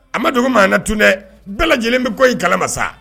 A man dogo maa la tun dɛ bɛɛ lajɛlen bɛ kɔ in kalamasa sa